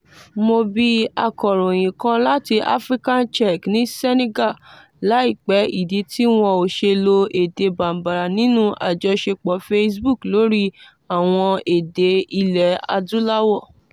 Mo bi akọ̀ròyìn kan láti Africa Check ní Senegal láìpẹ́ ìdí tí wọn ò ṣe lo èdè Bambara nínú àjọṣepọ̀ Facebook lórí àwọn èdè ilẹ̀ Adúláwọ̀.